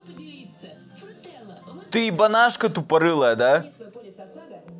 ты ебанашка тупорылая да